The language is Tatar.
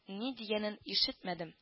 Ни дигәнен ишетмәдем